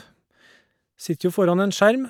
Sitter jo foran en skjerm.